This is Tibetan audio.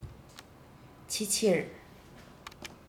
ཕྱི ཕྱིར